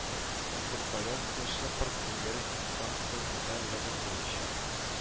Интерполяция шеппард инверс дистанция дигән метод буенча